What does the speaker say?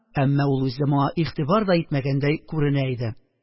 Әмма ул үзе моңа игътибар да итмәгәндәй күренә иде